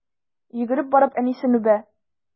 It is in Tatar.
Йөгереп барып әнисен үбә.